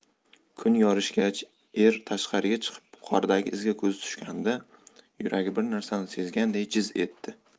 kun yorishgach er tashqariga chiqib qordagi izga ko'zi tushganida yuragi bir narsani sezganday jiz etdi